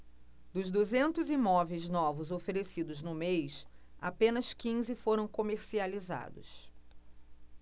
dos duzentos imóveis novos oferecidos no mês apenas quinze foram comercializados